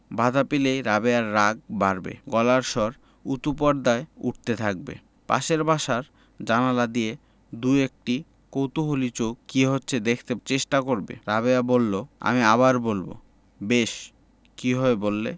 বাধা পেলেই রাবেয়ার রাগ বাড়বে গলার স্বর উচু পর্দায় উঠতে থাকবে পাশের বাসার জানালা দিয়ে দুএকটি কৌতুহলী চোখ কি হচ্ছে দেখতে চেষ্টা করবে রাবেয়া বললো আমি আবার বলবো বেশ কি হয় বললে